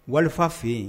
Wali f yen